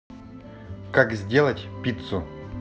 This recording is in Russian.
как сделать пиццу